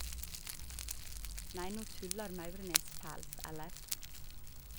Nei no tullar Maurnes fælt , eller?